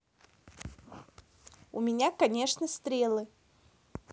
у меня конечно стрелы